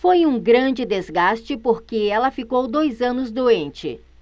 foi um grande desgaste porque ela ficou dois anos doente